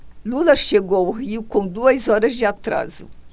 lula chegou ao rio com duas horas de atraso